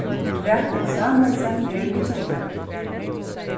rakul samuelsen er egyptari